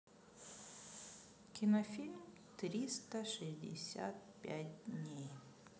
кинофильм триста шестьдесят пять дней